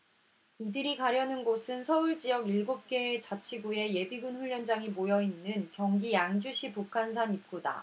이들이 가려는 곳은 서울 지역 일곱 개 자치구의 예비군 훈련장이 모여 있는 경기 양주시 북한산 입구다